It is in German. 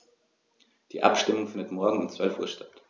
Die Abstimmung findet morgen um 12.00 Uhr statt.